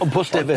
O'n pwll defyd...